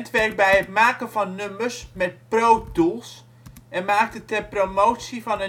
werkt bij het maken van nummers met Pro Tools en maakte ter promotie van